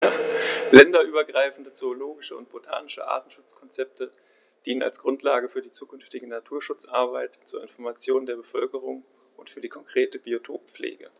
Länderübergreifende zoologische und botanische Artenschutzkonzepte dienen als Grundlage für die zukünftige Naturschutzarbeit, zur Information der Bevölkerung und für die konkrete Biotoppflege.